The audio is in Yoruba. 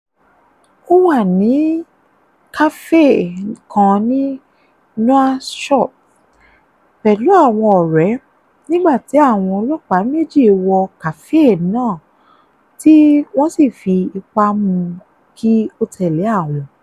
Ó wà ní kàféè kan ní Nouakchott pẹ̀lú àwọn ọ̀rẹ́, nígbà tí àwọn ọlọ́pàá méjì wọ kàféè náà tí wọ́n sì fi ipá mú kí ó tẹ̀lé àwọn.